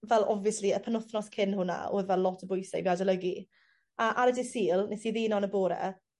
Fel obviously y penwthnos cyn hwnna o'dd 'a lot o bwyse i fi adolygu a ar y dy' Sul nes i ddino yn y bore